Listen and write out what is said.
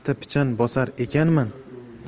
marta pichan bosar ekanman